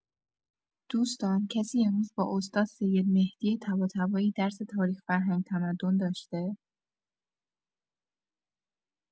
دوستان کسی امروز با استاد سید مهدی طباطبایی درس تاریخ فرهنگ تمدن داشته؟